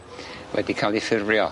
wedi ca'l eu ffurfrio.